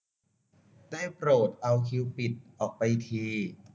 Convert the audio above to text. ได้โปรดเอาคิวบิดออกไปที